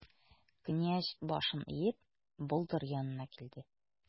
Князь, башын иеп, болдыр янына килде.